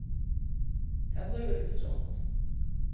tað blívur til strongd